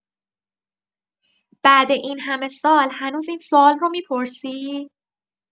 بعد این همه سال هنوز این سؤال رو می‌پرسی؟